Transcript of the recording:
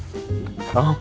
có không